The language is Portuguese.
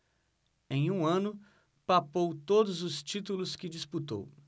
em um ano papou todos os títulos que disputou